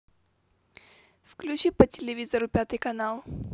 включи по телевизору пятый канал